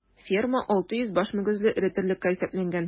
Ферма 600 баш мөгезле эре терлеккә исәпләнгән.